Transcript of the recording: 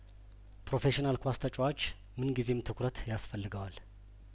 ፕሮፌሽናል ኳስ ተጫዋችምን ጊዜም ትኩረት ያስፈልገዋል